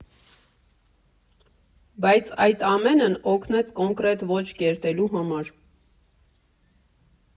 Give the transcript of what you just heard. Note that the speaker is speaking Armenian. Բայց այդ ամենն օգնեց կոնկրետ ոճ կերտելու համար։